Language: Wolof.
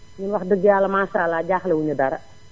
ñun wax dëgg Yàlla maasàllaa jaaxlewuñu dara